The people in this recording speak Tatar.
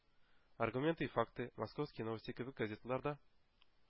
«аргументы и факты», «московские новости» кебек газеталар да